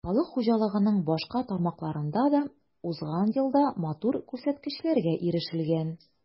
Халык хуҗалыгының башка тармакларында да узган елда матур күрсәткечләргә ирешелгән.